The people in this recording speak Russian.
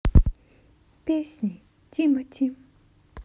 песни тимати